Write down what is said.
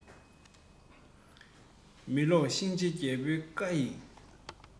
མི བཟློག གཤིན རྗེ རྒྱལ པོའི བཀའ ཡིག